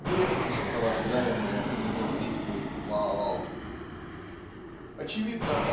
нередко сопровождаемое у него рифмой Ваал. Очевидно